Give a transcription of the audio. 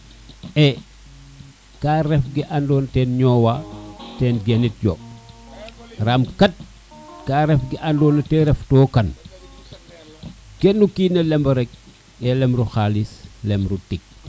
e ka ref ke ando na ten ñowa ten ten genit yo ram kat ka ref ke ando na te ref tokane ken kina lembo rek e lembiro xalis lemro tig